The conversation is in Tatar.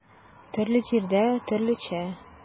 Төрле җирдә төрлечә.